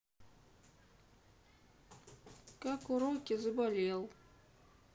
как уроки заболел